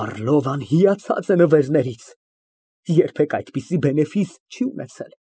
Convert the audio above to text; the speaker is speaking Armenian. Առլովան հիացած է նվերներից։ Երբեք այդպիսի բենեֆիս չի ունեցել։